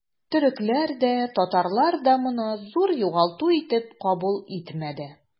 Төрекләр дә, татарлар да моны зур югалту итеп кабул итмәде.